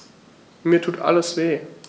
Mir tut alles weh.